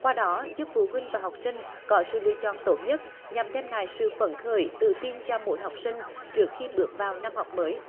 qua đó giúp phụ huynh và học sinh có sự lựa chọn tốt nhất nhằm đem lại sự phấn khởi tự tin cho mỗi học sinh trước khi bước vào năm học mới